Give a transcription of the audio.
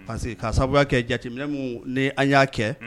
Parce que k'a sababuya kɛ jateminɛ muun ni an y'a kɛ